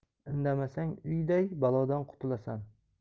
indamasang uyday balodan qutulasan